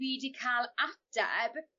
fi 'di ca'l ateb